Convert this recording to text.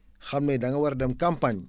xam ne da nga war a dem camapgne